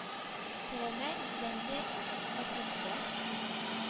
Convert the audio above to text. Сәләмә җиләнле Әүхәдигә